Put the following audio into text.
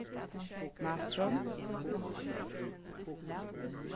natron